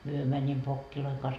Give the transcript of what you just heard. me menimme vokkien kanssa